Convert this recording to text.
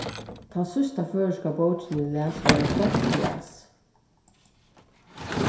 tann síðsta føroyska bókin eg las var eitt stórt fjas